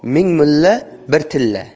ming mulla bir tilla